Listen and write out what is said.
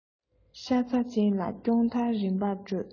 ཤ ཚ ཅན ལ སྐྱོང མཐར རིམ པར སྤྲོད